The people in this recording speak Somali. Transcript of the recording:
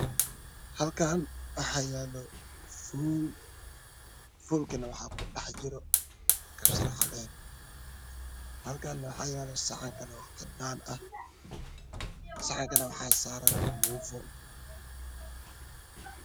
Halkaan waxaa yaalo fuul fuulkana waxaa ku dhexjiro kabsar caleen halkana waxaa yaalo saxan kaloo cadan saxankana waxaa korsaaran muufo